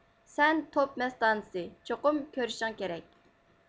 سەن توپ مەستانىسى چوقۇم كۆرۈشۈڭ كېرەك